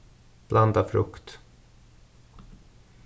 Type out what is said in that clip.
blandað frukt